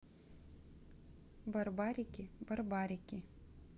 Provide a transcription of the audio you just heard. барбарики барбарики